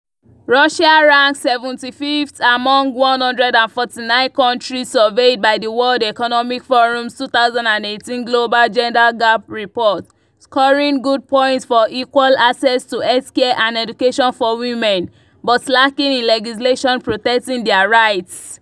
Russia ranks 75th among 149 countries surveyed by the World Economic Forum's 2018 Global Gender Gap Report, scoring good points for equal access to healthcare and education for women, but lacking in legislation protecting their rights.